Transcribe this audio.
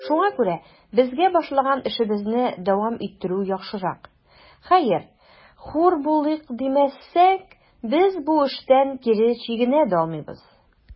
Шуңа күрә безгә башлаган эшебезне дәвам иттерү яхшырак; хәер, хур булыйк димәсәк, без бу эштән кире чигенә дә алмыйбыз.